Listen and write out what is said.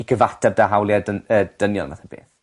i gyfateb 'da hawlie dyn- yy dynion math o beth.